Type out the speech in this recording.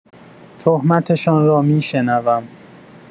تهمتشان را می‌شنوم.